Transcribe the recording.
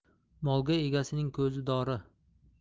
molga egasining ko'zi dori